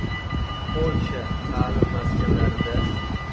polsha ta'lim maskanlarida sifatli